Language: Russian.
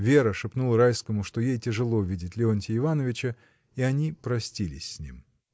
Вера шепнула Райскому, что ей тяжело видеть Леонтья Ивановича, и они простились с ним.